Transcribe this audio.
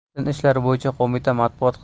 din ishlari bo'yicha qo'mita matbuot